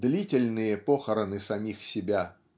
длительные похороны самих себя.